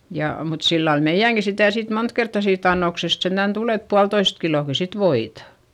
ja mutta sillä lailla meidänkin sitä sitten monta kertaa siitä annoksesta sentään tuli että puolitoista kiloakin sitten voita